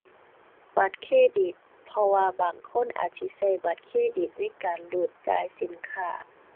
บัตรเครดิต เพราะว่าบางคนอาจสิใช้บัตรเครดิตในการรูดจ่ายสินค้า